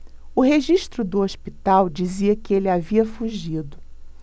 o registro do hospital dizia que ele havia fugido